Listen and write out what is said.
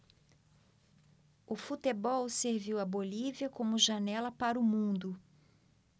o futebol serviu à bolívia como janela para o mundo